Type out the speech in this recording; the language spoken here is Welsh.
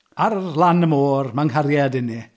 Ar lan y môr mae nghariad inne.